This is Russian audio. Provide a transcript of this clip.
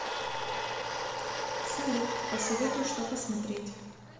салют посоветуй что посмотреть